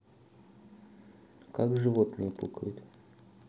как животные пукают